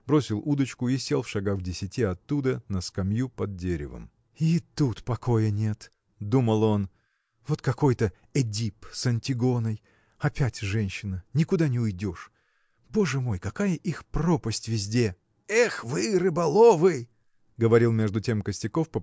бросил удочку и сел шагах в десяти оттуда на скамью под деревом. И тут покоя нет! – думал он. – Вот какой-то Эдип с Антигоной. Опять женщина! Никуда не уйдешь. Боже мой! какая их пропасть везде! – Эх вы, рыболовы! – говорил между тем Костяков